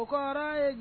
O kɔrɔ ye